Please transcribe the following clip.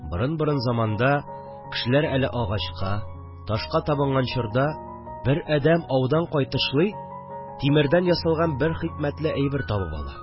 Борын-борын заманда, кешеләр әле агачка, ташка табынган чорда, бер әдәм аудан кайтышлый тимердән ясалган бер хикмәтле әйбер табып ала